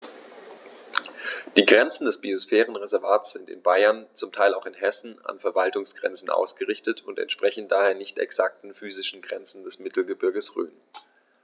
Die Grenzen des Biosphärenreservates sind in Bayern, zum Teil auch in Hessen, an Verwaltungsgrenzen ausgerichtet und entsprechen daher nicht exakten physischen Grenzen des Mittelgebirges Rhön.